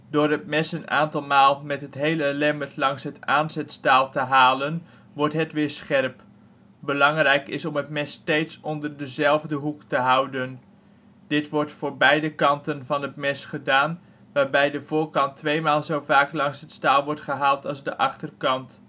Door het mes een aantal maal met het hele lemmet langs het aanzetstaal te halen, wordt het weer scherp. Belangrijk is om het mes steeds onder dezelfde hoek te houden. Dit wordt voor beide kanten van het mes gedaan, waarbij de voorkant twee maal zo vaak langs het staal wordt gehaald als de achterkant